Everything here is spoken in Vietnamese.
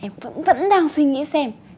em cũng vẫn đang suy nghĩ xem